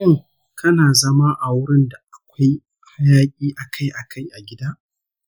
shin kana zama a wurin da akwai hayaki akai-akai a gida?